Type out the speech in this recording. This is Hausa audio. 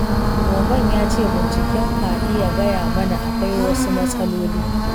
Gicheru ya ce,.. Binciken ka iya gaya mana akwai wasu matsalolin''.